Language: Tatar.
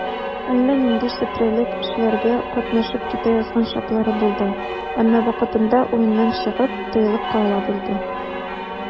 Әллә нинди четрекле эшләргә катнашып китә язган чаклары булды, әмма вакытында уеннан чыгып, тыелып кала белде.